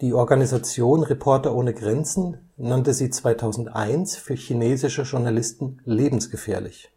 die Organisation Reporter ohne Grenzen (ROG) nannte sie 2001 für chinesische Journalisten lebensgefährlich